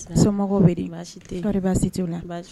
Si mɔgɔw bɛ di? Basi tɛ yen ? Kɔri basi t'u la? Basi tɛ yen.